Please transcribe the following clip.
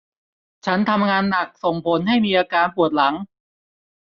ฉันทำงานหนักส่งผลให้มีอาการปวดหลัง